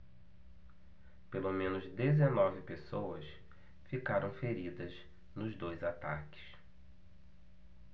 pelo menos dezenove pessoas ficaram feridas nos dois ataques